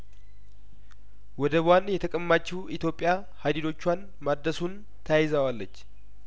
ወደቧን የተቀማችው ኢትዮጵያ ሀዲዶቿን ማደሱን ተያይዛዋለች